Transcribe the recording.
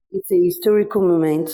"It's a historical moment."